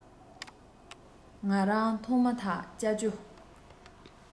ང རང མཐོང མ ཐག ཅ ཅོ